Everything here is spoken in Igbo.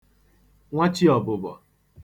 nwachiọbụbọ